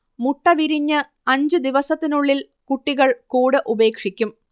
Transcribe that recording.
മുട്ട വിരിഞ്ഞ് അഞ്ച് ദിവസത്തിനുള്ളിൽ കുട്ടികൾ കൂട് ഉപേക്ഷിക്കും